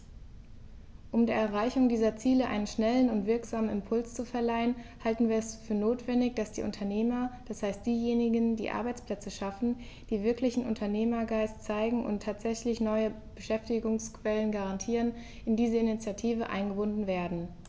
Um der Erreichung dieser Ziele einen schnellen und wirksamen Impuls zu verleihen, halten wir es für notwendig, dass die Unternehmer, das heißt diejenigen, die Arbeitsplätze schaffen, die wirklichen Unternehmergeist zeigen und tatsächlich neue Beschäftigungsquellen garantieren, in diese Initiative eingebunden werden.